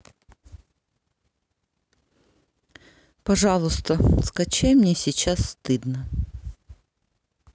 пожалуйста скачай мне сейчас стыдно